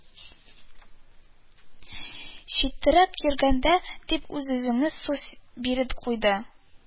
Читтәрәк йөрергә дип, үз-үзенә сүз биреп куйды